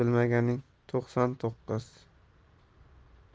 bilmaganing to'qson to'qqiz